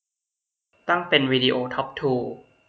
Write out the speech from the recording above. ตั้งเป็นวิดีโอทอปทู